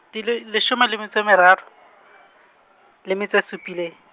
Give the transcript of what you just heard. di le leshome le metso e meraro, le metso e supileng.